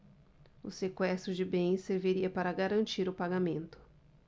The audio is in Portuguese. o sequestro de bens serviria para garantir o pagamento